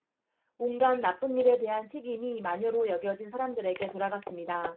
온갖 나쁜 일에 대한 책임이 마녀로 여겨진 사람들에게 돌아갔습니다